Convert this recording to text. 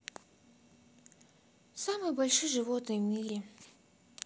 самые большие животные в мире